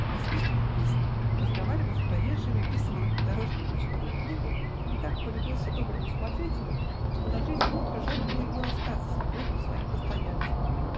насвистывал песни, разговаривал с проезжими, вписывал их подорожные в почтовую книгу, и так полюбился доброму смотрителю, что на третье утро жаль было ему расстаться с любезным своим постояльцем.